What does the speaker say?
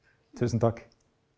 tusen takk.